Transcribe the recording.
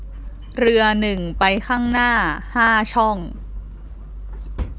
เรือหนึ่งไปข้างหลังห้าช่อง